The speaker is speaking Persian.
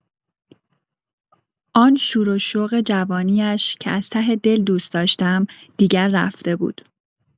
آن شور و شوق جوانی‌اش، که از ته دل دوست داشتم، دیگر رفته بود.